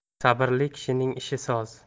sabrli kishining ishi soz